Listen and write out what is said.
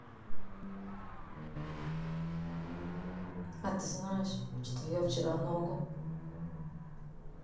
а ты знаешь что я вчера ногу